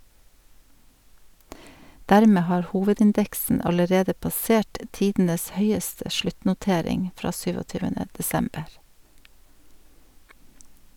Dermed har hovedindeksen allerede passert tidenes høyeste sluttnotering fra 27. desember.